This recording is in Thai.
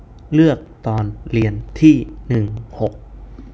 เลือกตอนเรียนที่หนึ่งหก